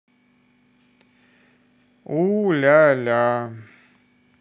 у ля ля